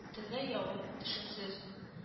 Төнлә - явым-төшемсез